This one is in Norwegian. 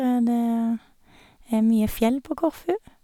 Det er mye fjell på Korfu.